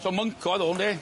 So mwnc oedd o ynde?